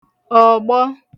ọ̀gbọ